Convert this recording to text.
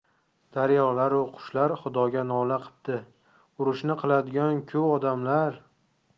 daryolaru qushlar xudoga nola qipti urushni qiladigan ku odamlar